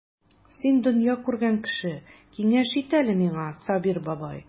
Син дөнья күргән кеше, киңәш ит әле миңа, Сабир бабай.